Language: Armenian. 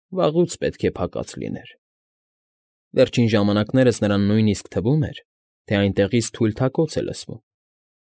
Վաղուց պետք է փակած լիներ։ Վերջին ժամանակներս նրան նույնիսկ թվում էր, թե այնտեղից թույլ թակոց է լսվում։